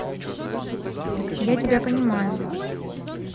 я тебя понимаю